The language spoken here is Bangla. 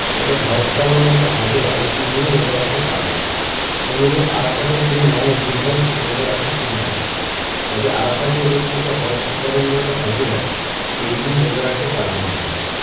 তবে হজ পালনরত হাজিরা এই তিন দিনও রোজা রাখতে পারবেন অনুরূপ আরাফাতের দিন ৯ জিলহজ রোজা রাখা সুন্নাত তবে আরাফাতে উপস্থিত হজ সম্পাদনরত হাজিরা এই দিন রোজা রাখতে পারবেন না